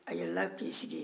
a yɛlɛnna k'i sigi yen